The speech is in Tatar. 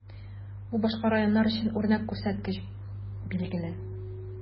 Бу башка районнар өчен үрнәк күрсәткеч, билгеле.